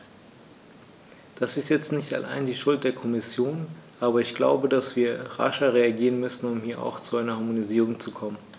Das ist jetzt nicht allein die Schuld der Kommission, aber ich glaube, dass wir rascher reagieren müssen, um hier auch zu einer Harmonisierung zu kommen.